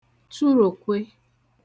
turòkwe